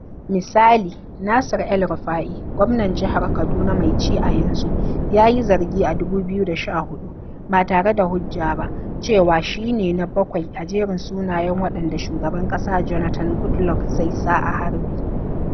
Misali, Nasir El-Rufa'i, gwamnan jihar Kaduna mai ci a yanzu ya yi zargi a 2014 - ba tare da hujja ba - cewa shi ne "na 7 a jerin sunayen waɗanda [shugaban ƙasa Jonathan Goodluck] zai sa a harbe.